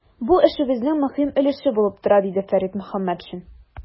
Бу эшебезнең мөһим өлеше булып тора, - диде Фәрит Мөхәммәтшин.